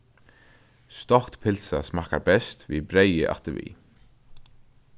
stokt pylsa smakkar best við breyði afturvið